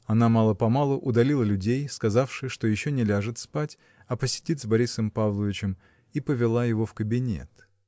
Она мало-помалу удалила людей, сказавши, что еще не ляжет спать, а посидит с Борисом Павловичем, и повела его в кабинет.